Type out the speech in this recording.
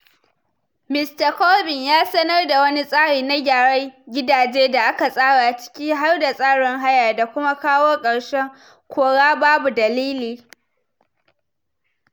Mista Corbyn ya sanar da wani tsari na gyaran gidaje da aka tsara, ciki har da tsarin haya da kuma kawo ƙarshen “kora babu dalili”